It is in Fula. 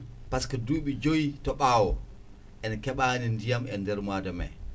pasque duuɓi joyyi to ɓaawo en keeɓani ndiyam e nder mois de mai